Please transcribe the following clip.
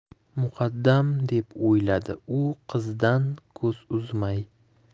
muqaddam deb o'yladi u qizdan ko'z uzmay